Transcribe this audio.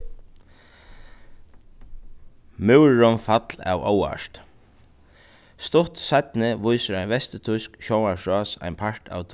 múrurin fall av óvart stutt seinni vísir ein vesturtýsk sjónvarpsrás ein part av